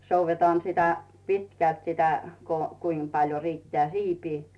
soudetaan sitä pitkälti sitä kun kuinka paljon riittää siipi